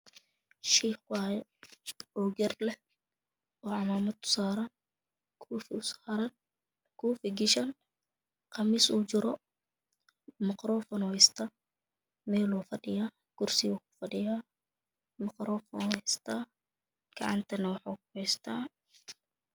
Sheekh waaye, oo garleh, oo camaamad u saaran, koofi usaaran ,koofi gashan qamiis oogu jiro makroofanoo heestaa meeluu fadhiyaa kursiyuu ku fadhiyaa makroofanoo heestaa gacantana waxuu ku heystaa.